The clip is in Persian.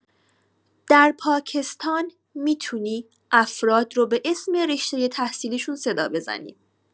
در پاکستان می‌تونی افراد رو به اسم رشته تحصیلیشون صدا بزنی.